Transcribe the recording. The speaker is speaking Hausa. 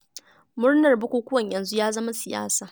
Murnar bukukuwa yanzu ya zama siyasa.